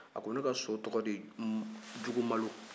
a ko ne ka so tɔgɔ de ye jugumalo